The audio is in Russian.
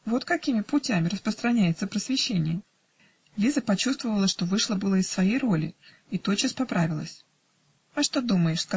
Вот какими путями распространяется просвещение!" Лиза почувствовала, что вышла было из своей роли, и тотчас поправилась. "А что думаешь?